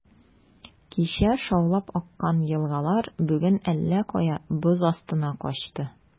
Кичә шаулап аккан елгалар бүген әллә кая, боз астына качты.